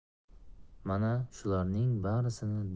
mana shularning barisini